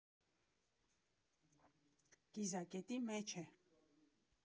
Կիզակետի մեջ է։